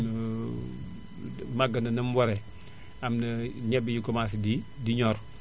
mag na na mu waree am naa ñebe yu commencé di di ñor